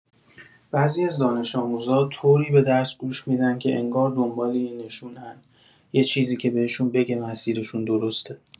بعضی از دانش‌آموزا طوری به درس گوش می‌دن که انگار دنبال یه نشونه‌ن، یه چیزی که بهشون بگه مسیرشون درسته.